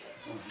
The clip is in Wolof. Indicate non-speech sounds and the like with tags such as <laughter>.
<hesitation> <hesitation>